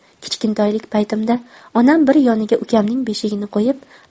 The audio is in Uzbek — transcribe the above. kichkintoylik paytimda onam bir yoniga ukamning beshigini qo'yib